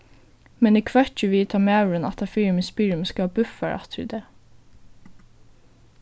men eg hvøkki við tá maðurin aftanfyri meg spyr um eg skal hava búffar aftur í dag